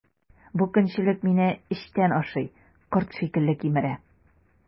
Бу көнчелек мине эчтән ашый, корт шикелле кимерә.